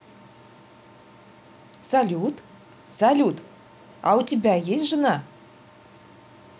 салют салют а у тебя есть жена